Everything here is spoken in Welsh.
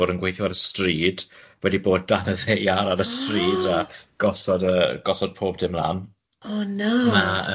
bod yn gweithio ar y stryd, wedi bod dan y ddaear ar y stryd a gosod yy gosod pob dim mlan.